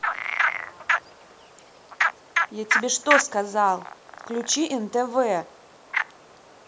я тебе что сказал включи нтв